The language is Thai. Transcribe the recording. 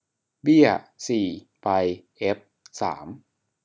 เบี้ยสี่ไปเอฟสาม